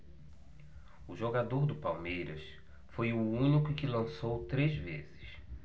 o jogador do palmeiras foi o único que lançou três vezes